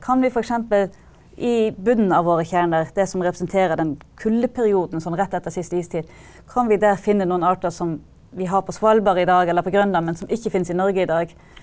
kan vi f.eks. i bunnen av våre kjerner, det som representerer den kuldeperioden sånn rett etter siste istid, kan vi der finne noen arter som vi har på Svalbard i dag eller på Grønland men som ikke finnes i Norge i dag?